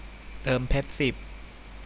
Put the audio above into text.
เติมเพชรสิบ